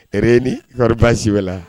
Ereni kɔri baasiwala